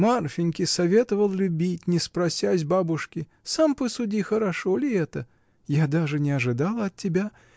Марфиньке советовал любить, не спросясь бабушки: сам посуди, хорошо ли это? Я даже не ожидала от тебя!